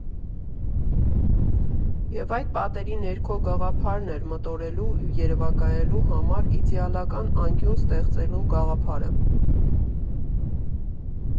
Եվ այդ պատերի ներքո գաղափարն էր՝ մտորելու ու երևակայելու համար իդեալական անկյուն ստեղծելու գաղափարը։